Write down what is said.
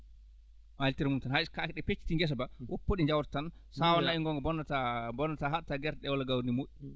a yaltire mum tan hay so kake ɗee pecciti ngese mba woppu ɗe njawta tan sawo laygo ngo ngo bonnataa bonnataa haɗata gerte ɗee walla gawri ndii moƴƴu